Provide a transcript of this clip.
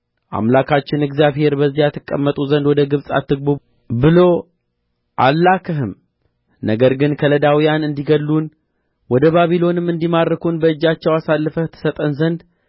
አምላካችን እግዚአብሔር በዚያ ትቀመጡ ዘንድ ወደ ግብጽ አትግቡ ብሎ አልላከህም ነገር ግን ከለዳውያን እንዲገድሉን ወደ ባቢሎንም እንዲማርኩን በእጃቸው አሳልፈህ ትሰጠን ዘንድ